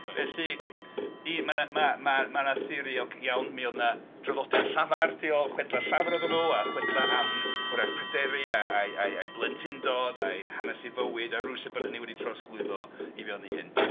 Felly u- mae 'na... ma- ma- mae 'na theory iawn mi oedd 'na draddodiad llafar tu ôl... chwedlau llafar oedden nhw a chwedlau am hwyrach Pryderi a'i... a'i blentyndod, a'i hanes ei fywyd a rhywsut bod hynny wedi trosglwyddo i fewn i hyn.